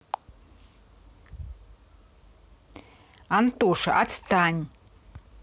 антоша отстань